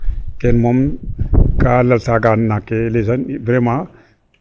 Kene moom ka lalta ka ando naak ke les vraiment.